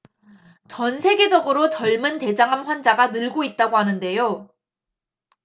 전 세계적으로 젊은 대장암 환자가 늘고 있다고 하는데요